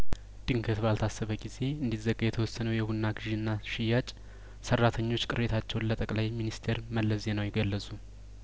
ድንገት ባልታሰበ ጊዜ እንዲዘጋ የተወሰነው የቡና ግዢና ሽያጭ ሰራተኞች ቅሬታቸውን ለጠቅላይሚንስቴር መለስ ዜናዊ ገለጹ